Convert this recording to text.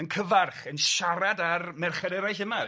Yn cyfarch yn siarad â'r merched eraill yma.